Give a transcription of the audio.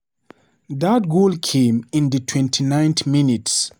That goal came in the 29th minute.